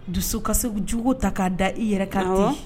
Dusu ka segu jugu ta k'a da i yɛrɛ ka ye